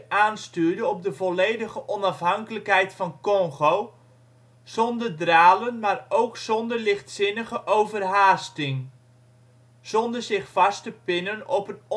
aanstuurde op de volledige onafhankelijkheid van Congo " zonder dralen, maar ook zonder lichtzinnige overhaasting ". Zonder zich vast te pinnen op een onafhankelijkheidsdatum